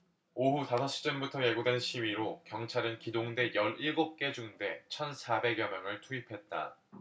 오후 다섯 시쯤부터 예고된 시위로 경찰은 기동대 열 일곱 개 중대 천 사백 여 명을 투입했다